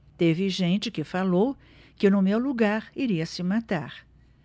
teve gente que falou que no meu lugar iria se matar